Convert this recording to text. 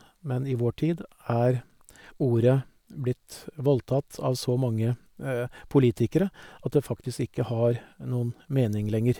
Men i vår tid er ordet blitt voldtatt av så mange politikere at det faktisk ikke har noen mening lenger.